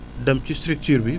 dem ci structure bi